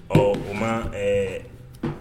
Ɔ o ma ɛɛ